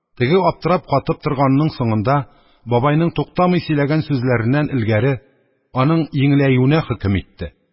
Теге, аптырап-катып торганның соңында, бабайның туктамый сөйләгән сүзләреннән элгәре, аның йиңеләюенә хөкем итте.